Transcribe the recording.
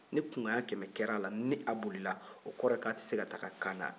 ni kunkan ɲɛ kɛmɛ kɛra a la ni a boli o kɔrɔ ye ko a tɛ se ka taa kaana